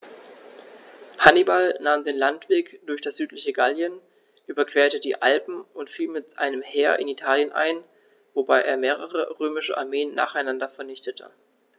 Hannibal nahm den Landweg durch das südliche Gallien, überquerte die Alpen und fiel mit einem Heer in Italien ein, wobei er mehrere römische Armeen nacheinander vernichtete.